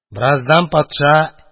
Бераздан патша